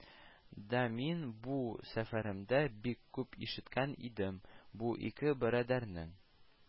Да мин бу сәфәремдә бик күп ишеткән идем, бу ике борадәрнең